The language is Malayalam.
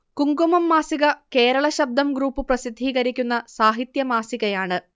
കുങ്കുമം മാസികകേരള ശബ്ദം ഗ്രൂപ്പ് പ്രസിദ്ധീകരിക്കുന്ന സാഹിത്യ മാസികയാണ്